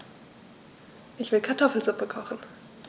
Ich will Kartoffelsuppe kochen.